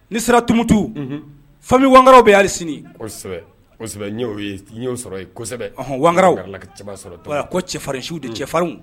N'i sera tumutu fami wkaraw bɛ hali sini sɔrɔɔn wkaraw cɛba sɔrɔ ko cɛfarinsiw de cɛfarinw